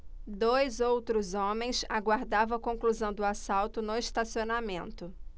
dois outros homens aguardavam a conclusão do assalto no estacionamento